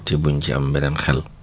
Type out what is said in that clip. te buñ ci am beneen xel